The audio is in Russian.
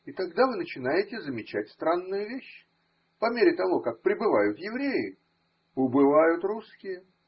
И тогда вы начинаете замечать странную вещь: по мере того, как прибывают евреи, убывают русские.